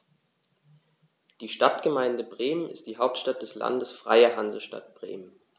Die Stadtgemeinde Bremen ist die Hauptstadt des Landes Freie Hansestadt Bremen.